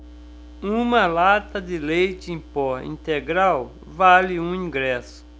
uma lata de leite em pó integral vale um ingresso